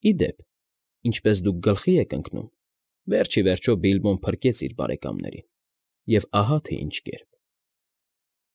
Ի դեպ, ինչպես դուք գլխի եք ընկնում, վերջ ի վերջո Բիլբոն փրկեց իր բարեկամներին, և ահա թե ինչ կերպ։